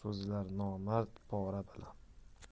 so'zlar nomard pora bilan